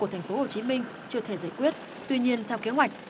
của thành phố hồ chí minh chưa thể giải quyết tuy nhiên theo kế hoạch